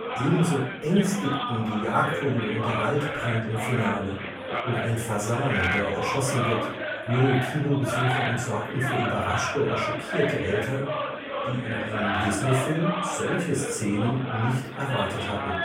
Ebenso ängstigten die Jagdhunde und der Waldbrand im Finale und ein Fasan, der erschossen wird, junge Kinobesucher und sorgten für überraschte oder schockierte Eltern, die in einem Disney-Film solche Szenen nicht erwartet hatten